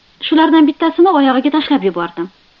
shulardan bittasini oyog'iga tashlab yubordim